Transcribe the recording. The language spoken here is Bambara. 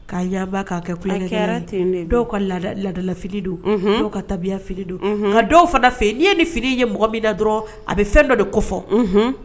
'a yaaba k'a kɛ kukɛ ten dɔw ka la ladalafi don dɔw ka tabiyafi don nka dɔw fana fɛ ye ni fini ye mɔgɔ min da dɔrɔn a bɛ fɛn dɔ de kɔ fɔ